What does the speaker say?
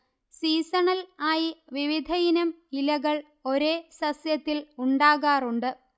seasonal ആയി വിവിധയിനം ഇലകൾ ഒരേ സസ്യത്തിൽ ഉണ്ടാകാറുണ്ട്